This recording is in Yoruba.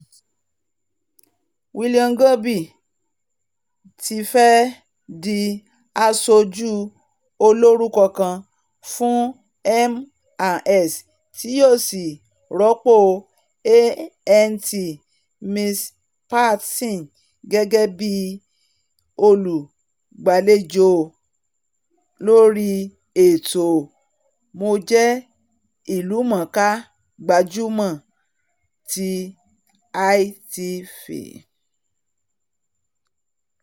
Willioughby tifẹ di aṣojú olorúkọ kan fún M&S tí yóò sì rọ́pò Ant McPartlin gẹgẹ bíi olùgbàlejò lórí ètò Mo jẹ́ Ìlúmọ̀ńká Gbajúmọ̀ ni ITV.